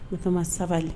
N o sabali